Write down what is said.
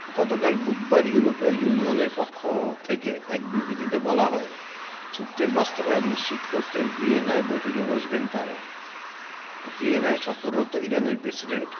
গতকাল বুধবার ইউরোপীয় ইউনিয়নের পক্ষ থেকে এক বিবৃতিতে বলা হয় চুক্তির বাস্তবায়ন নিশ্চিত করতে ভিয়েনায় বৈঠকে বসবেন তাঁরা ভিয়েনায় সফররত ইরানের প্রেসিডেন্ট